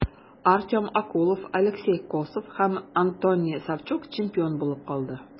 Артем Окулов, Алексей Косов һәм Антоний Савчук чемпион булып калды.